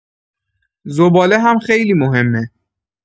زباله هم خیلی مهمه.